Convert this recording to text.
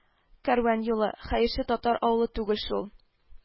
Кәрван юлы – хәерче татар авылы түгел шул